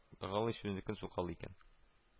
Галыч үзенекен сукалый икән